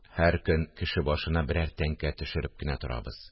Һәр көн кеше башына берәр тәңкә төшереп кенә торабыз